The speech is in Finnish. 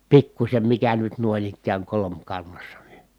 pikkuisen mikä nyt noin ikään kolmikannassa niin